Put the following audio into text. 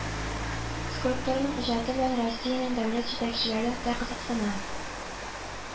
Скульпторның иҗаты белән Россиянең дәүләт җитәкчеләре дә кызыксына